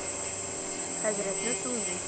Хәзрәтне тыңлый.